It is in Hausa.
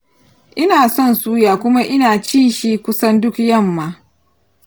ina son suya kuma ina ci shi kusan duk yamma.